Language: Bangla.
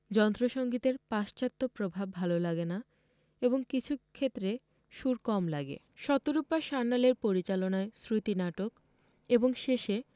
যন্ত্রসংগীতের পাশ্চাত্য প্রভাব ভাল লাগে না এবং কিছু ক্ষেত্রে সুর কম লাগে শতরূপা সান্যালের পরিচালনায় শ্রুতিনাটক এবং শেষে